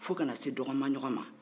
fo kana se dɔgɔnima ɲɔgɔ ma